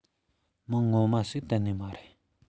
མིང ངོ མ ཞིག གཏན ནས མ རེད